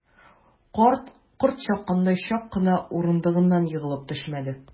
Карт, корт чаккандай, чак кына урындыгыннан егылып төшмәде.